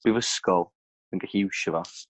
brifysgol yn gallu iwsio fo